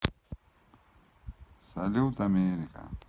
салют америка